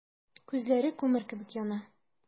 Күзләре күмер кебек яна.